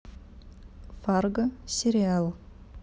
фарго сериал